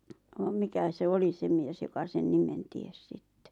vaan mikä se oli se mies joka sen nimen tiesi sitten